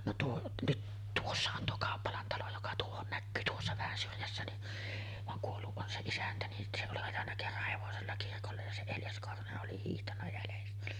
no tuo nyt tuossa on tuo Kauppalan talo joka tuohon näkyy tuossa vähän syrjässä niin vaan kuollut on se isäntä niin se oli ajanut kerran hevosella kirkolle ja se Eljas Korhonen oli hiihtänyt jäljestä